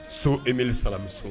So eeli sarami so